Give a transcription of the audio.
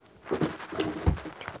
где играет котенок